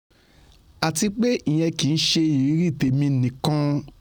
Àtipé ìyẹn kìí ṣe ìrírí tèmi nìkan.